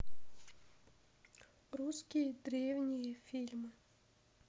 русские деревенские фильмы